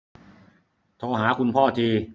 โทรหาคุณพ่อที